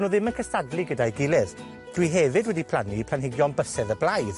nw ddim yn cystadlu gyda'i gilydd. Dwi hefyd wedi plannu planhigion Bysedd y Blaidd.